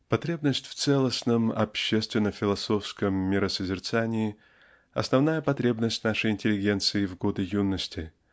Потребность в целостном общественно-философском миросозерцании -- основная потребность нашей интеллигенции в годы юности